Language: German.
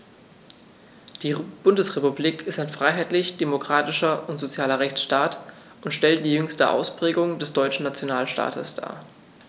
Die Bundesrepublik ist ein freiheitlich-demokratischer und sozialer Rechtsstaat und stellt die jüngste Ausprägung des deutschen Nationalstaates dar.